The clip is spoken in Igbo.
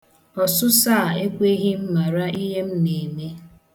Ọsụsọọ a ekweghị m mara ihe m na-eme.